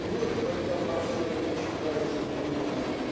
И вот когда про все это читаешь у Бунина